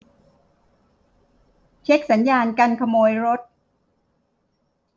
เช็คสัญญาณกันขโมยรถ